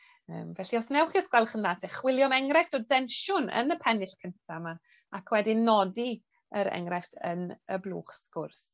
Yym felly os newch chi os gwelwch yn dda 'te chwilio am enghrefft o densiwn yn y pennill cynta 'ma, ac wedyn nodi yr enghraifft yn y blwch sgwrs.